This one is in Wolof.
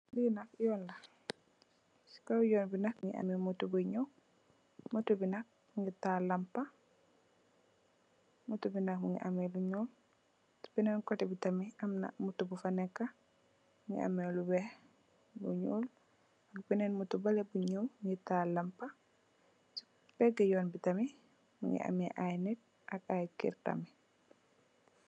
Lii nak yoon la, si know yoon bi nak, mu ngi am "motto" buy ñaw,"motto" bi nak, mu ngi taal lampu,"motto" bi nak, mu ngi amee lu ñuul, si benen kotte bi nak mu ngi am benen "motto" bu fa nekk, mu ngi amee lu weex, ak benen "motto" ballet buy ñaw, mu ngi taal lampu. Si peegë yoon wi, mu ngi amee ay nit ak ay kër tamit.